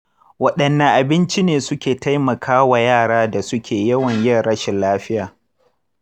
wadanne abinci ne suke taimaka wa yara da suke yawan yin rashin lafiya?